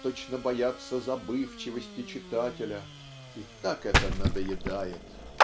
точно боятся забывчивости читателя. И так это надоедает.